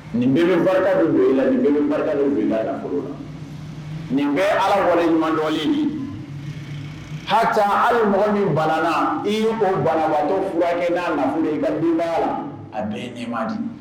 Nin bee be barika do do i la nin bee be barika do i ka nafolo la nin bɛɛ ye la ɲuman haaa Ala wɔleɲumandɔlen de ye haaa hali mɔgɔ min bana na i y'o o banabaatɔ furakɛ n'a nafolo i ka denbaya la a bɛɛ ye nɛma de ye